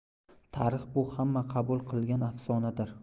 tarix bu hamma qabul qilgan afsonadir